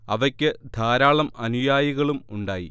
അവയ്ക്ക് ധാരാളം അനുയായികളും ഉണ്ടായി